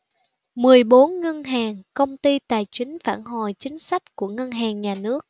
mười bốn ngân hàng công ty tài chính phản hồi chính sách của ngân hàng nhà nước